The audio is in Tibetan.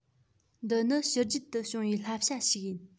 འདི ནི ཕྱི རྒྱལ དུ བྱུང བའི བསླབ བྱ ཞིག ཡིན